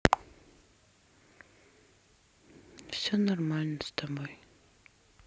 все нормально с тобой